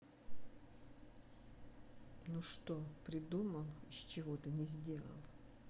ну что придумал из чего ты не сделал